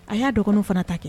A y'a dɔgɔnin fana ta kɛ